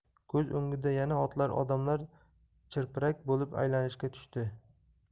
ko'z o'ngida yana otlar odamlar chirpirak bo'lib aylanishga tushdi